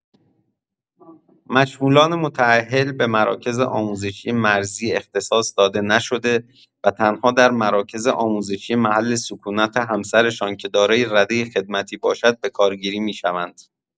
مشمولان متاهل به مراکز آموزشی مرزی اختصاص داده نشده و تنها در مراکز آموزشی محل سکونت همسرشان که دارای رده خدمتی باشد بکارگیری می‌شوند.